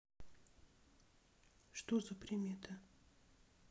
что за примета